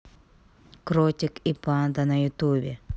кротик и панда на ютубе